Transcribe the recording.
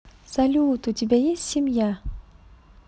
салют у тебя есть семья